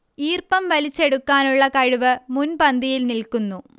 ഈർപ്പം വലിച്ചെടുക്കാനുളള കഴിവ് മുൻപന്തിയിൽ നിൽക്കുന്നു